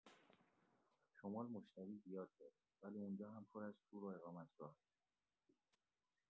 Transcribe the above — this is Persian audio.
شمال مشتری زیاد داره، ولی اونجا هم پر از تور و اقامتگاهه.